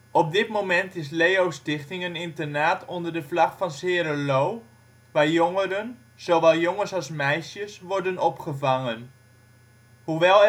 Op dit moment is Leo-Stichting een internaat onder de vlag van ' s Heeren Loo, waar jongeren, zowel jongens als meisjes, worden opgevangen. Hoewel